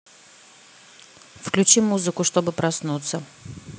включи музыку чтобы проснуться